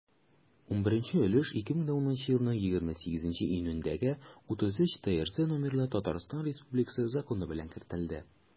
11 өлеш 2010 елның 28 июнендәге 33-трз номерлы татарстан республикасы законы белән кертелде.